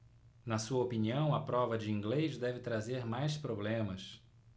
na sua opinião a prova de inglês deve trazer mais problemas